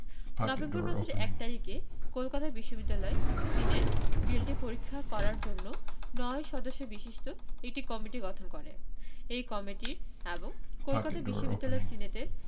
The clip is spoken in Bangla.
নভেম্বর মাসের ১ তারিখে কলকাতা বিশ্ববিদ্যালয় সিনেট বিলটি পরীক্ষা করার জন্য ৯ সদস্য বিশিষ্ট একটি কমিটি গঠন করে এই কমিটির এবং কলকাতা বিশ্ববিদ্যালয় সিনেটের